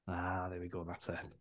Ah, there we go, that's it.